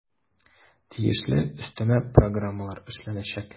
Тиешле өстәмә программалар эшләнәчәк.